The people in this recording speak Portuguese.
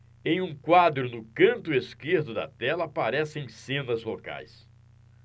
em um quadro no canto esquerdo da tela aparecem cenas locais